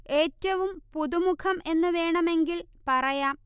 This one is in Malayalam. ഏറ്റവും പുതുമുഖം എന്നു വേണമെങ്കിൽ പറയാം